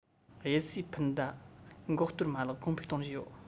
གཡུལ སའི འཕུར མདའ འགོག གཏོར མ ལག གོང འཕེལ གཏོང བཞིན ཡོད